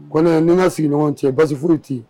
Kɔn n ka sigiɲɔgɔn cɛ basif ci